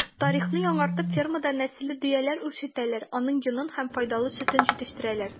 Тарихны яңартып фермада нәселле дөяләр үчретәләр, аның йонын һәм файдалы сөтен җитештерәләр.